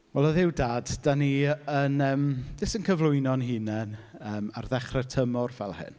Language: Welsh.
Wel o Dduw dad dan ni yn yym jyst cyflwyno'n hunain yym ar ddechrau'r tymor fel hyn.